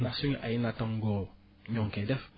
ndax suñu ay naatàngo ñoo ngi koy def